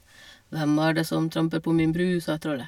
, sa trollet.